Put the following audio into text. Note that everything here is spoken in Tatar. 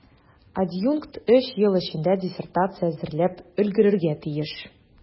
Адъюнкт өч ел эчендә диссертация әзерләп өлгерергә тиеш.